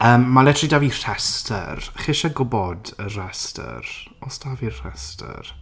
Yym ma' literally 'da fi rhestr. Chi eisiau gwybod y restr? Oes 'da fi'r rhestr?